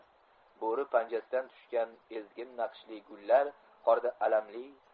bo'ri panjasidan tushgan ezgin naqshli gullar qorda alamli